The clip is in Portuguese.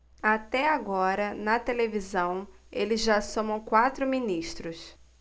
até agora na televisão eles já somam quatro ministros